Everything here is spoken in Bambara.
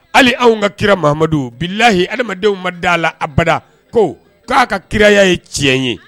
Hali anw ka kira Mahamadu bilahi hadamadenw ma d'a la abada, ko k'a ka kiraya ye tiɲɛ ye